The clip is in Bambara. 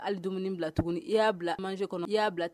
Hali dumuni bila tuguni i y'a bila man kɔnɔ i y'a bila